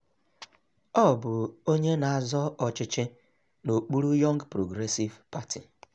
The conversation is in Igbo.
Ọ bụ onye na-azọ ọchịchị n'okpuru Young Progressive Party.